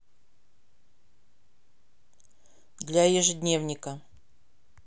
для ежедневника